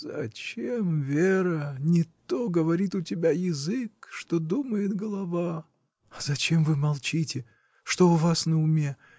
— Зачем, Вера, не то говорит у тебя язык, что думает голова? — А зачем вы молчите? что у вас на уме?